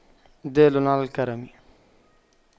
الْبِشْرَ دال على الكرم